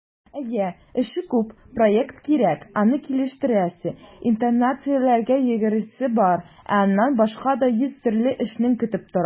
Әйе, эше күп - проект кирәк, аны килештерәсе, инстанцияләргә йөгерәсе бар, ә аннан башка да йөз төрле эшең көтеп тора.